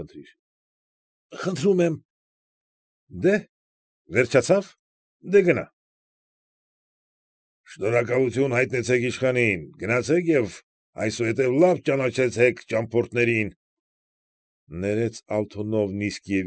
Խնդրիր… ֊ Խնդրում եմ։ ֊ Դե՛հ, վերջացավ, դե՛ գնա… ֊ Շնորհակալություն հայտնեցեք իշխանին, գնացեք և այսուհետև լավ ճանաչեցեք ճամփորդներին,֊ ներեց Ալթունովն իսկ և։